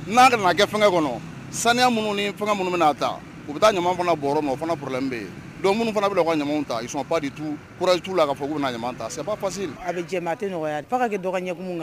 N'a nana kɛ fɛngɛ kɔnɔ saniya minnu ni fɛngɛ minnu bɛn'a ta u bɛ taa ɲaman fana b'ɔ yɔrɔ min o fana problème bɛ yen, donc minnu fana bɛna u ka ɲamanw ta ils sont pas du tout, courage t'u la k'a fɔ u bɛna ɲaman ta donc c'est pas du tout facile a bɛ jɛ mais a tɛ nɔgɔya fo a a kɛdɔ ka ɲɛkumu kan